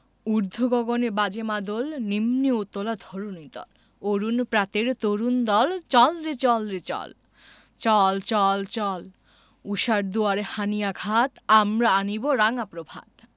ঊর্ধ্ব গগনে বাজে মাদল নিম্নে উতলা ধরণি তল অরুণ প্রাতের তরুণ দল চল রে চল রে চল চল চল চল ঊষার দুয়ারে হানি' আঘাত আমরা আনিব রাঙা প্রভাত